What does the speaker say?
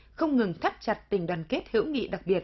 không ngừng thắt chặt tình đoàn kết hữu nghị đặc biệt